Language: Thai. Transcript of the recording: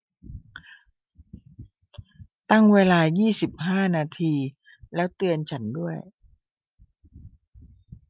ตั้งเวลายี่สิบห้านาทีแล้วเตือนฉันด้วย